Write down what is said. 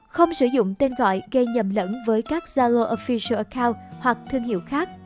không sử dụng tên gọi gây nhầm lẫn với các zalo official account hoặc thương hiệu khác